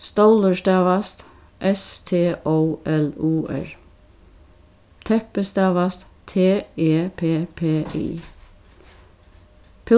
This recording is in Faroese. stólur stavast s t ó l u r teppi stavast t e p p i